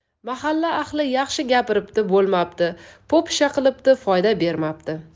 mahalla ahli yaxshi gapiribdi bo'lmabdi po'pisa qilibdi foyda bermabdi